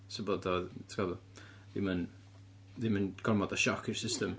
So bod o, be tin galw fo, ddim yn ddim yn gormod o sioc i'r system.